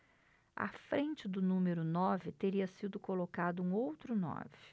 à frente do número nove teria sido colocado um outro nove